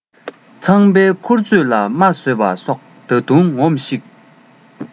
ཚངས པའི མཁུར ཚོས ལ རྨ བཟོས པ སོགས ད དུང ངོམས ཤིག